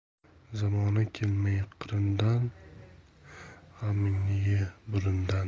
zamona kelmay qirindan g'amingni ye burundan